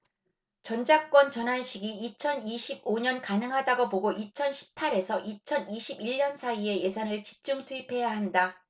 전작권 전환 시기 이천 이십 오 년 가능하다고 보고 이천 십 팔 에서 이천 이십 일 년 사이에 예산을 집중 투입해야 한다